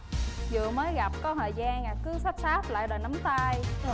vừa mới gặp có thời gian à cứ sáp sáp lại đòi nắm tay